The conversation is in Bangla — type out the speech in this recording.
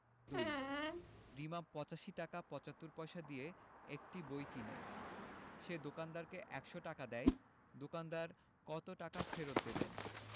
২ রিমা ৮৫ টাকা ৭৫ পয়সা দিয়ে একটি বই কিনে সে দোকানদারকে ১০০ টাকা দেয় দোকানদার কত টাকা ফেরত দেবেন